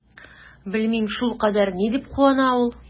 Белмим, шулкадәр ни дип куана ул?